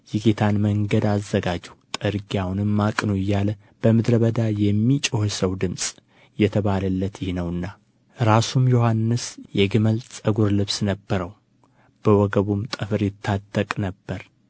የጌታን መንገድ አዘጋጁ ጥርጊያውንም አቅኑ እያለ በምድረ በዳ የሚጮህ ሰው ድምፅ የተባለለት ይህ ነውና ራሱም ዮሐንስ የግመል ጠጉር ልብስ ነበረው በወገቡም ጠፍር ይታጠቅ ነበር